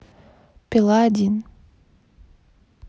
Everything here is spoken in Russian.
пила один